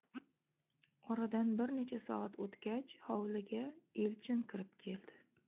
oradan bir necha soat o'tgach hovliga elchin kirib keldi